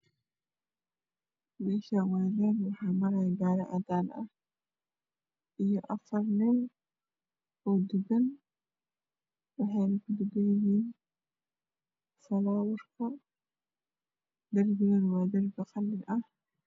Meshan waa lami waxaa maraya gari cadan ah iyo afar nin oo dugan wexey ku dugan yihiin falawar derbigana waa derbi qalin ah